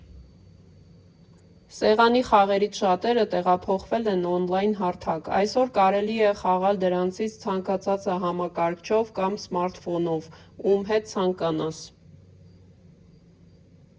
Սեղանի խաղերից շատերը տեղափոխվել են օնլայն֊հարթակ՝ այսօր կարելի է խաղալ դրանցից ցանկացածը համակարգչով կամ սմարթֆոնով՝ ում հետ ցանկանաս։